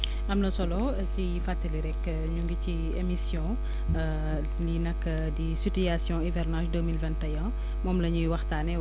am na solo ci fàtali rek ñu ngi ci émission lii nag di situation hivernage deux mille vingt et un moom la ñuy waxtaanee